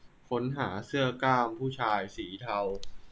ค้นหาเสื้อกล้ามผู้ชายสีเทา